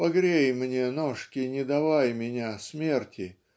Погрей мне ножки, не давай меня смерти.